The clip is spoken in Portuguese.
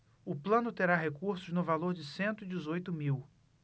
o plano terá recursos no valor de cento e dezoito mil